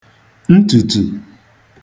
ntùtù